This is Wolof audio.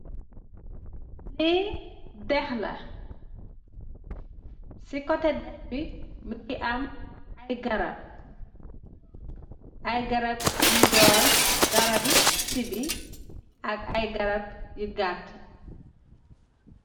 Li dex la, ci koteh dex bi mugeh am ay garap, ay garap yu jol, garap bi sibi ak ay garap yu gatta.